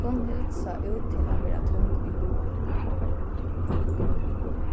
gunnhild sá út til at vera tung í huga